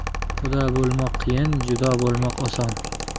quda bo'lmoq qiyin judo bo'lmoq oson